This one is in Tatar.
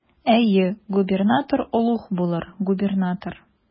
Әйе, губернатор олуг булыр, губернатор.